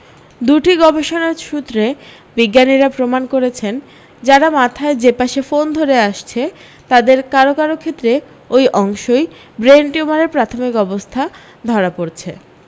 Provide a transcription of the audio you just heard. দুটি গবেষণার সূত্রে বিজ্ঞানীরা প্রমাণ করেছেন যারা মাথার যে পাশে ফোন ধরে আসছে তাদের কারও কারও ক্ষেত্রে ওই অংশই ব্রেন টিউমারের প্রাথমিক অবস্থা ধরা পড়েছে